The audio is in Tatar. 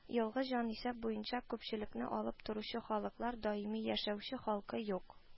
Елгы җанисәп буенча күпчелекне алып торучы халыклар: даими яшәүче халкы юк